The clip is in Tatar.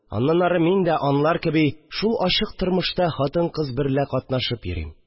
Аннан ары мин дә, алар кеби, шул ачык тормышта хатын-кыз берлә катнашып йөрим